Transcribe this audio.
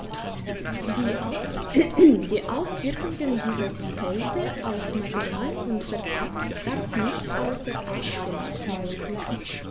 Die Auswirkungen dieser Kälte auf Material und Verpackung darf nicht außer acht gelassen werden.